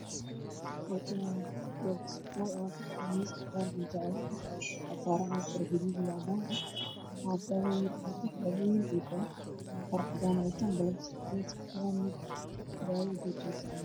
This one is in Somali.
Halkaan waxaa ka muuqda labo wiil iyo gabar labada wiil waxay xiran yihiin shaarar cadaan ah gadhana waxay xiran tahay hijaab cadaan waxay gacmaha ku hayaa daawooyin background ka waa guduud